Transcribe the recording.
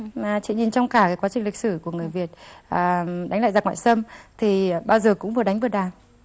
mà chị nhìn trong cả quá trình lịch sử của người việt à đánh lại giặc ngoại xâm thì bao giờ cũng vừa đánh vừa đạp